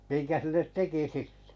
minkä sille teki sitten